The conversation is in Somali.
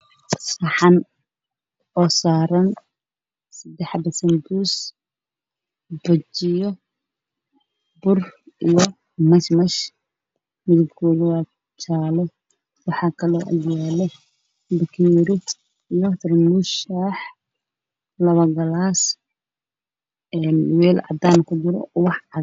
Saxan oo saaran saddexda san bus